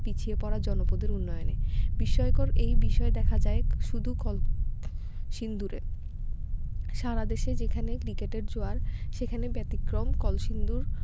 পিছিয়ে পড়া জনপদের উন্নয়নে বিস্ময়কর এই ছবি দেখা যায় শুধু কলসিন্দুরে সারা দেশে যেখানে ক্রিকেটের জোয়ার সেখানে ব্যতিক্রম কলসিন্দুর